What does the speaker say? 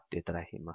dedi rahima